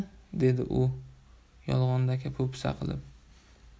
dedi u yolg'ondaka po'pisa qilib